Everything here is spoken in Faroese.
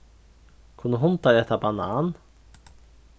kunnu hundar eta banan